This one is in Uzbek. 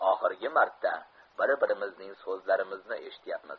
oxirgi marta bir birimizning so'zlarimizni eshityapmiz